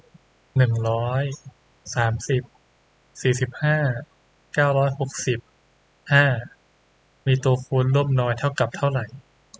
หนึ่งร้อยสามสิบสี่สิบห้าเก้าร้อยหกสิบห้ามีตัวคูณร่วมน้อยเท่ากับเท่าไหร่